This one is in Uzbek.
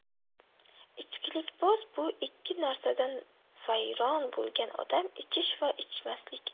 ichkilikboz bu ikki narsadan vayron bo'lgan odam ichish va ichmaslik